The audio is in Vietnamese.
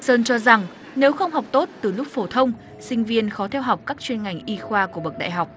sơn cho rằng nếu không học tốt từ lúc phổ thông sinh viên khó theo học các chuyên ngành y khoa của bậc đại học